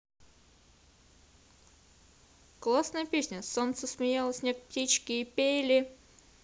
классная песня солнце смеялось снег птички и пели